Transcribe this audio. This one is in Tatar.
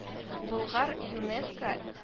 Болгар ЮНЕСКО